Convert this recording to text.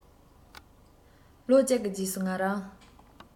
ལོ གཅིག གི རྗེས སུ ང རང